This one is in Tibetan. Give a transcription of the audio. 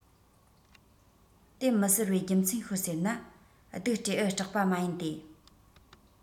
དེ མི ཟེར བའི རྒྱུ མཚན ཤོད ཟེར ན སྡུག སྤྲེའུར སྐྲག པ མ ཡིན ཏེ